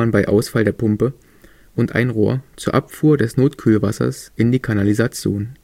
bei Ausfall der Pumpe) aus dem Frischwassernetz und ein Rohr zur Abfuhr des Notkühlwassers in die Kanalisation